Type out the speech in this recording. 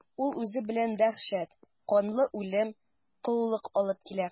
Ул үзе белән дәһшәт, канлы үлем, коллык алып килә.